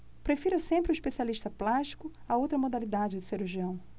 prefira sempre um especialista plástico a outra modalidade de cirurgião